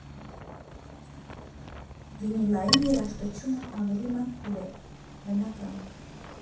«Վինիլային երաժշտությունը ավելի մաքուր է՝ բնական։